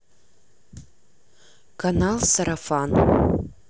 канал сарафан